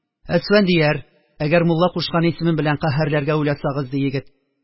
Әсфәндияр, әгәр мулла кушкан исемем белән каһәрләргә уйласагыз, – ди егет